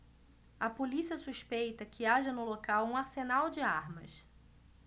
a polícia suspeita que haja no local um arsenal de armas